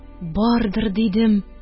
Бардыр, дидем